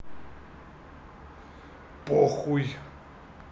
похуй